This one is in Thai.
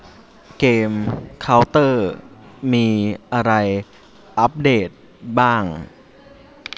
เกมเค้าเตอร์มีอะไรอัปเดตบ้าง